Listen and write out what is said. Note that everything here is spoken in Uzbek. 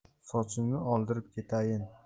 sochimni oldirib ketayin